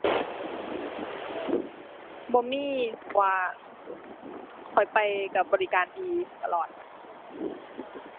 บ่มีว่า ข้อยไปก็บริการดีตลอด